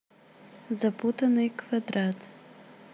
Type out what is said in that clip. запутанный квадрат